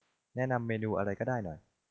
แนะนำเมนูอะไรก็ได้หน่อย